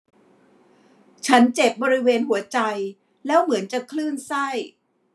ฉันเจ็บบริเวณหัวใจแล้วเหมือนจะคลื่นไส้